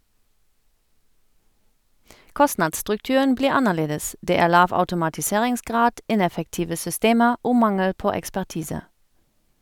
- Kostnadsstrukturen blir annerledes, det er lav automatiseringsgrad, ineffektive systemer og mangel på ekspertise.